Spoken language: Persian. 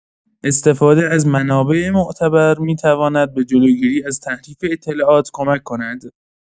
استفاده از منابع معتبر می‌تواند به جلوگیری از تحریف اطلاعات کمک کند.